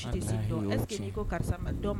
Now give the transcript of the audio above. Ko karisa